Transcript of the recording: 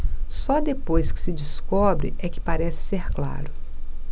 só depois que se descobre é que parece ser claro